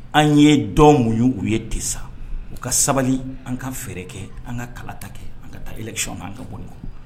An ye dɔ mun ye u ye te sa u ka sabali an ka fɛɛrɛ kɛ an ka kala ta kɛ an ka taa esiɔn an ka boli